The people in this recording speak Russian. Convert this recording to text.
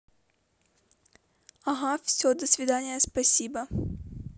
ага все до свидания спасибо